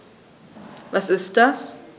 Was ist das?